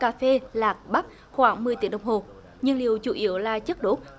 cà phê lạc bắp khoảng mười tiếng đồng hồ nhưng liệu chủ yếu là chất đốt